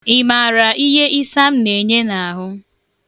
Ị maara ihe ịsam na-enye n'ahụ?